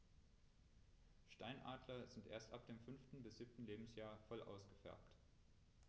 Steinadler sind erst ab dem 5. bis 7. Lebensjahr voll ausgefärbt.